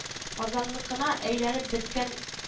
Казанныкына әйләнеп беткән